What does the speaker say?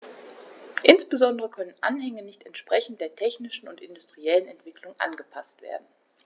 Insbesondere können Anhänge nicht entsprechend der technischen und industriellen Entwicklung angepaßt werden.